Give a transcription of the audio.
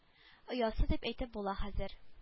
Оясы дип әйтеп була хәзер